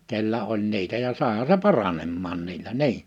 kenellä oli niitä ja saihan se paranemaan niillä niin